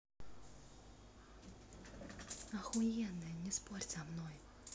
охуенная не спорь со мной